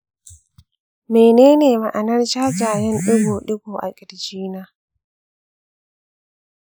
menene ma’anar jajayen ɗigo-ɗigo a kirji na?